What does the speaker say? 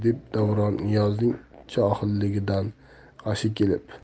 dedi davron niyozning johilligidan g'ashi kelib